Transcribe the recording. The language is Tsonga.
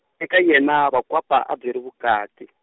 eka yena vakwapa a byi ri vukati.